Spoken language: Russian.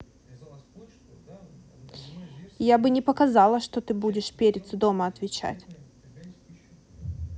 я бы не показала что ты будешь перецу дома отвечать